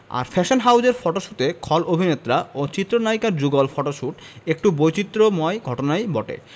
আর fashion হাউজের ফটোশুটে খল অভিনেতা ও চিত্রনায়িকার যুগল ফটোশুট একটু বৈচিত্রময় ঘটনাই বটে